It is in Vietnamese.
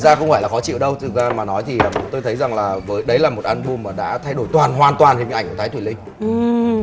ra không phải là khó chịu đâu thực ra mà nói thì tôi thấy rằng là đấy là một an bum mà đã thay đổi toàn hoàn toàn hình ảnh thái thùy linh